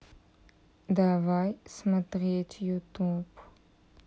давай смотреть ютуб